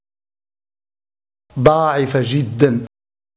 ضعيفه جدا